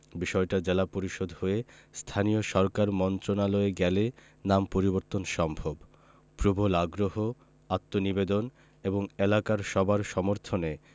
বিষয়টা জেলা পরিষদ হয়ে স্থানীয় সরকার মন্ত্রণালয়ে গেলে নাম পরিবর্তন সম্ভব প্রবল আগ্রহ আত্মনিবেদন এবং এলাকার সবার সমর্থনে